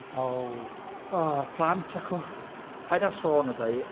O... O y plant acw, paid â sôn wrtha i.